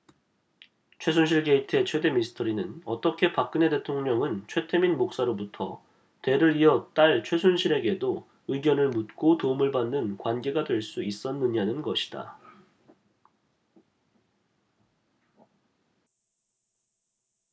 최순실 게이트의 최대 미스터리는 어떻게 박근혜 대통령은 최태민 목사로부터 대를 이어 딸 최순실씨에게도 의견을 묻고 도움을 받는 관계가 될 수 있었느냐는 것이다